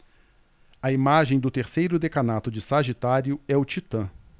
a imagem do terceiro decanato de sagitário é o titã